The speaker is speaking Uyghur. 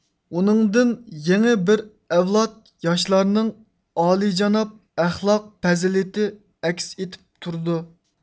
ئۇنىڭدىن يېڭى بىر ئەۋلاد ياشلارنىڭ ئالىيجاناب ئەخلاق پەزىلىتى ئەكس ئېتىپ تۇرىدۇ